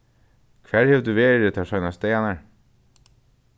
hvar hevur tú verið teir seinastu dagarnar